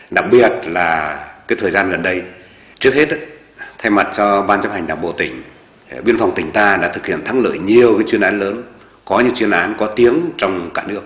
đặc biệt là cái thời gian gần đây trước hết thay mặt cho ban chấp hành đảng bộ tỉnh biên phòng tỉnh ta đã thực hiện thắng lợi nhiều chuyên án lớn có những chuyên án có tiếng trong cả nước